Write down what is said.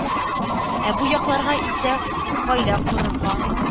Ә бу якларга исә гаилә корырга,